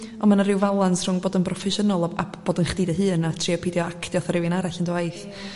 on' ma' 'na ryw falans rhwng bod yn broffesiynol o a bod yn chdi dy hun a trio peidio actio atha rywun arall yn dy waith